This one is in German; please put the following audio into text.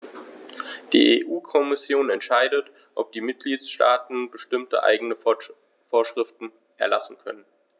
Die EU-Kommission entscheidet, ob die Mitgliedstaaten bestimmte eigene Vorschriften erlassen können.